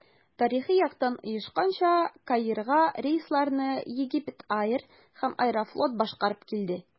Тарихи яктан оешканча, Каирга рейсларны Egypt Air һәм «Аэрофлот» башкарып килде.